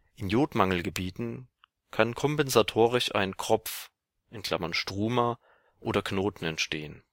In Jodmangel-Gebieten kann kompensatorisch ein Kropf (Struma) oder Knoten entstehen